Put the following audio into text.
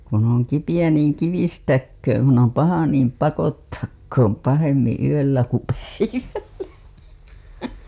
kun on kipeä niin - kivistäköön kun on paha niin pakottakoon pahemmin yöllä kuin päivällä